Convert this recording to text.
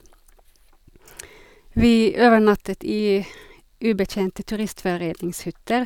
Vi overnattet i ubetjente turistforeningshytter.